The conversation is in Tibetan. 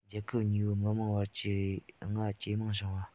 རྒྱལ ཁབ གཉིས པོའི མི དམངས བར རྒྱུས མངའ ཇེ མང བྱུང བ